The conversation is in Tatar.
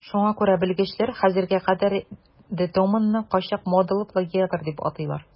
Шуңа күрә белгечләр хәзергә кадәр де Томонны кайчак модалы плагиатор дип атыйлар.